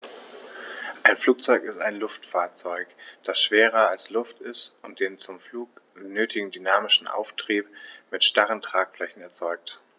Ein Flugzeug ist ein Luftfahrzeug, das schwerer als Luft ist und den zum Flug nötigen dynamischen Auftrieb mit starren Tragflächen erzeugt.